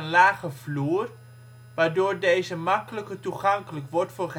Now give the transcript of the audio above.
lage vloer, waardoor deze makkelijker toegankelijk wordt voor